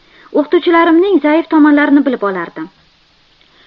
o'qituvchilarimning zaif tomonlarini bilib olardim